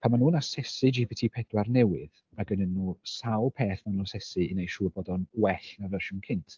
Pan maen nhw'n asesu GPT pedwar newydd ma' gynnon nhw sawl peth maen nhw'n asesu i wneud siŵr bod o'n well na'r fersiwn cynt.